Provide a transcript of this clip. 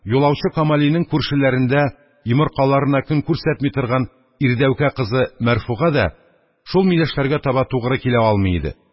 Юлаучы камалинең күршеләрендә йомыркаларына көн күрсәтми торган ирдәүкә кызы мәрфуга да шул миләшләргә таба тугры килә алмый иде.